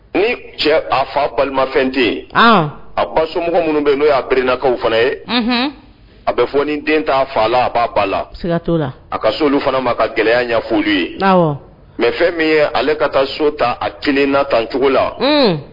Ni cɛ a famafɛn den a ba somɔgɔ minnu bɛ n'o y'aereinakaw fana ye a bɛ fɔ ni den t'a fa la a b'a ba la la a ka so olu fana ma ka gɛlɛya ɲɛ foli ye mɛ fɛn min ye ale ka taa so ta a kelen na tan cogo la